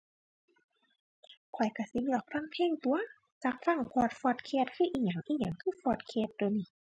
ข้อยก็เลือกฟังเพลงตั่ว จักฟังพอด พอดคาสต์คืออิหยัง อิหยังคือพอดคาสต์เดี๋ยวนี้